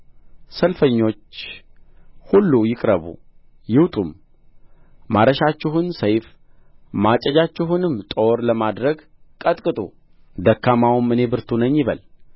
ሰልፈኞች ሁሉ ይቅረቡ ይውጡም ማረሻችሁን ሰይፍ ማጭዳችሁንም ጦር ለማድረግ ቀጥቅጡ ደካማውም እኔ ብርቱ ነኛ ይበል